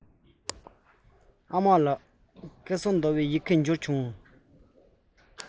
ཨ མ ལགས སྐལ བཟང ཟླ བའི ཡི གེ འབྱོར བྱུང ངམ